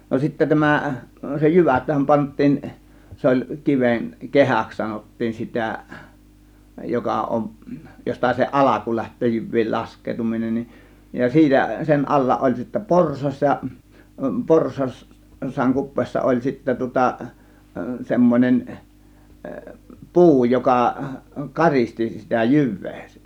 no sitten tämä se jyväthän pantiin se oli kiven kehäksi sanottiin sitä joka on josta se alku lähtee jyvien laskeutuminen niin ja siitä sen alla oli sitten porsas ja - porsaan kupeessa oli sitten tuota semmoinen puu joka karisti sitä jyvää